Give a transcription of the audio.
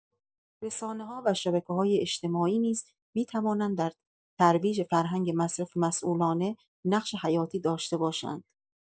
رسانه‌ها و شبکه‌های اجتماعی نیز می‌توانند در ترویج فرهنگ مصرف مسئولانه نقش حیاتی داشته باشند.